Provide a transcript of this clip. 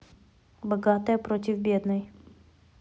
богатая против бедной